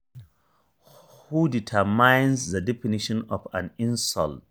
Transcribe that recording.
Who determines the definition of an insult?